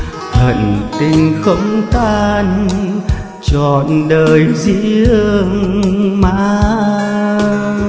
hận tình không tàn trọn đời riêng mang